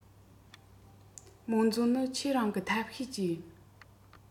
རྨོན མཛོ ནི ཁྱེད རང གི ཐབས ཤེས གྱིས